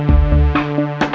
thiêm